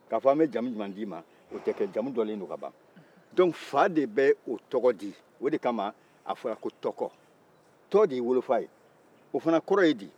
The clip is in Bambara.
k'a fɔ an bɛ jamu jumɛn d'i ma o tɛ kɛ bawo jamu dɔnna ka ban o la fa de b'o tɔgɔ di o de kama a fɔra ko tɔkɔ tɔ de y'i wolofa ye o fana kɔrɔ ye di